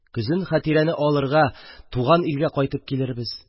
Көзен Хәтирәне алырга туган илгә кайтып килербез.